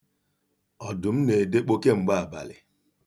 Ọdụm na-edekpo kemgbe abalị.